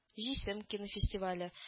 “җисем” кинофестивале